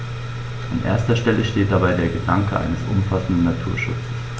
An erster Stelle steht dabei der Gedanke eines umfassenden Naturschutzes.